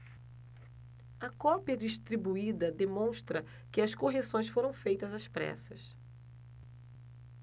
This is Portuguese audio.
a cópia distribuída demonstra que as correções foram feitas às pressas